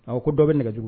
A ko dɔ bɛ nɛgɛ jugu